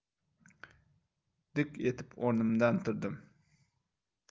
dik etib o'rnimdan turdim